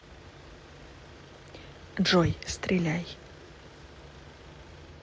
джой стреляй